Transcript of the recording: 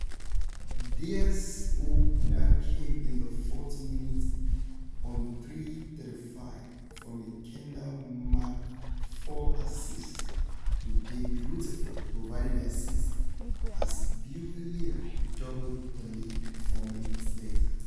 Dwyer's opener came in the fourth minute on 3:35 from a Kendall McFaull assist, with David Rutherford providing the assist as Beauvillier doubled the lead four minutes later.